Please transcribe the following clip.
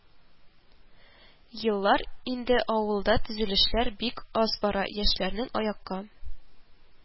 Еллар инде авылда төзелешләр бик аз бара, яшьләрнең аякка